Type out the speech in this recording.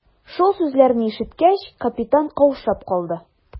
Шул сүзләрне ишеткәч, капитан каушап калды.